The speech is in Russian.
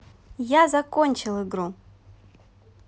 я закончил игру